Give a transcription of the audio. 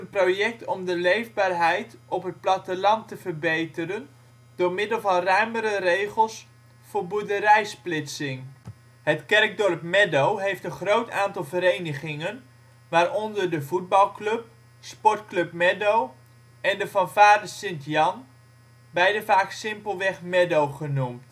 project om de leefbaarheid op het platteland te verbeteren door middel van ruimere regels voor boerderijsplitsing. Het kerkdorp Meddo heeft een groot aantal verenigingen, waaronder de voetbalclub, Sportclub Meddo, en de fanfare St.Jan, beide vaak simpelweg Meddo genoemd